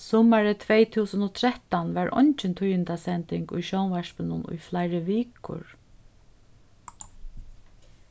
summarið tvey túsund og trettan varð eingin tíðindasending í sjónvarpinum í fleiri vikur